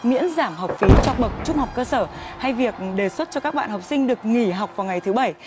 miễn giảm học phí cho bậc trung học cơ sở hay việc đề xuất cho các bạn học sinh được nghỉ học vào ngày thứ bảy